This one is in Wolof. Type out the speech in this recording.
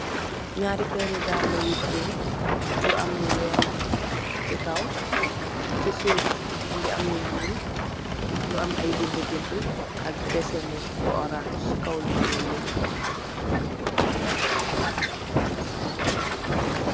Ñaari peeri daal yu green, yu am lu weex chi kaw, chi suuf mungi am lu ñuul, lu am aye bindi bindi, ak deseneh bu orans si kaw lu ñuul li.